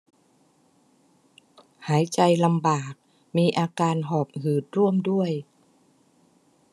หายใจลำบากมีอาการหอบหืดร่วมด้วย